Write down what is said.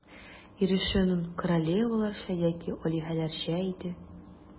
Йөреше аның королеваларча яки алиһәләрчә иде.